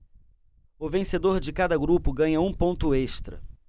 o vencedor de cada grupo ganha um ponto extra